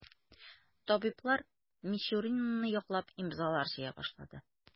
Табиблар Мисюринаны яклап имзалар җыя башлады.